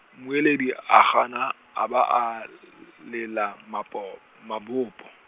mmueledi a gana, a ba a, lela mapo, mabopo.